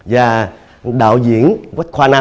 và đạo diễn quách khoa nam